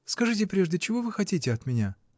Скажите прежде, чего вы хотите от меня?